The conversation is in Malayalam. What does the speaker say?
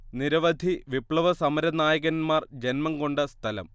നിരവധി വിപ്ലവ സമരനായകന്മാർ ജന്മം കൊണ്ട സ്ഥലം